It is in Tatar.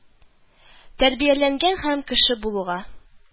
Тәрбияләнгән һәм кеше булуга